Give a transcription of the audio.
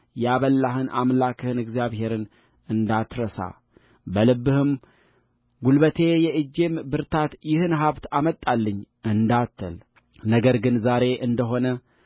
ያበላህን አምላክህን እግዚአብሔርን እንዳትረሳበልብህም ጉልበቴ የእጄም ብርታት ይህን ሀብት አመጣልኝ እንዳትልነገር ግን ዛሬ እንደ ሆነ